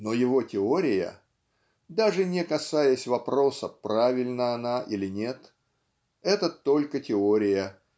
но его теория (даже не касаясь вопроса, правильна она или нет) это только теория